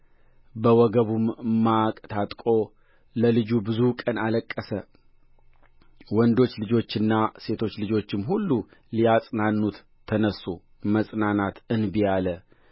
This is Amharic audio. በወገቡም ማቅ ታጥቆ ለልጁ ብዙ ቀን አለቀሰ ወንዶች ልጆቹና ሴቶች ልጆቹም ሁሉ ሊያጽናኑት ተነሡ መጽናናትን እንቢ አለ